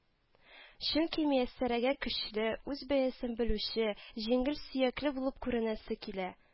Чөнки мияссәрәгә көчле, үз бәясен белүче, җиңел сөякле булып күренәсе килә